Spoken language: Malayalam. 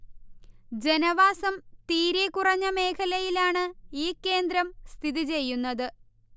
ജനവാസം തീരെക്കുറഞ്ഞ മേഖലയിലാണ് ഈ കേന്ദ്രം സ്ഥിതി ചെയ്യുന്നത്